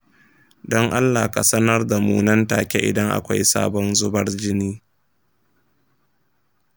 don allah ka sanar da mu nan take idan akwai sabon zubar jini.